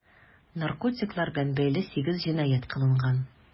Наркотиклар белән бәйле 8 җинаять кылынган.